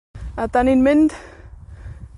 Wel 'dan ni'n mynd